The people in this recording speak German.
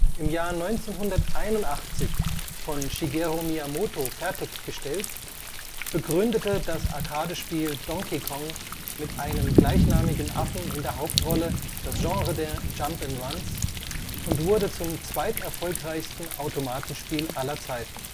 1981 von Shigeru Miyamoto fertiggestellt, begründete das Arcade-Spiel Donkey Kong mit einem gleichnamigen Affen in der Hauptrolle das Genre der Jump'n'Runs und wurde zum zweiterfolgreichsten Automatenspiel aller Zeiten